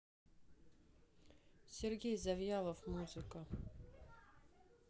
сергей завьялов музыка